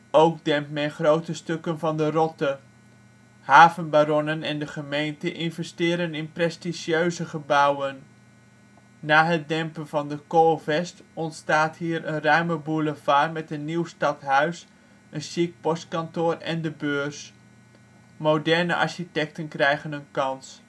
Ook dempt men grote stukken van de Rotte. Havenbaronnen en de gemeente investeren in prestigieuze gebouwen. Na het dempen van de Coolvest ontstaat hier een ruime boulevard met een nieuw stadhuis, een chic postkantoor en de Beurs. Moderne architecten krijgen een kans